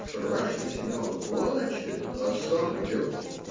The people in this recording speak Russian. страшно Семену, плачет, а сам идет.